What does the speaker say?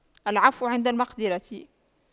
العفو عند المقدرة